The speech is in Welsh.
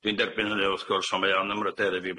dwi'n derbyn hynny wrth gwrs on' mae o'n ym mryderu i fi